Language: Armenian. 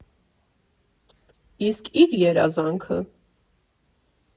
Իսկ ի՞ր երազանքը։